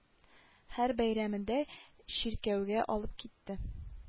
Һәр бәйрәмендә чиркәүгә алып китте